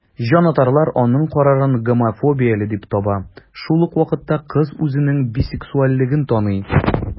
Җанатарлар аның карарын гомофобияле дип таба, шул ук вакытта кыз үзенең бисексуальлеген таный.